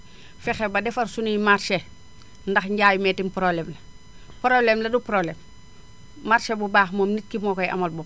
fexe ba defar sunuy marché nadx njaay mee itam problème la problème la du problème marché bu baax moom nit ki moo koy amal bopp